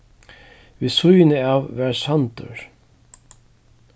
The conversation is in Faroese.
við síðuna av var sandur